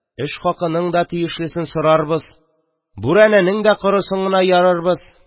Эш хакының да тиешлесен сорарбыз, бүрәнәнең дә корысын гына ярырбыз.